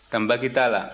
tanbaki t'a la